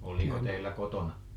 oliko teillä kotona